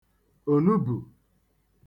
ònubù